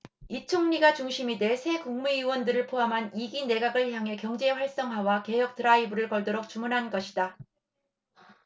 이 총리가 중심이 돼 새 국무위원들을 포함한 이 기 내각을 향해 경제활성화와 개혁 드라이브를 걸도록 주문한 것이다